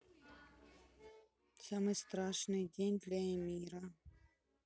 самый страшный день для эмира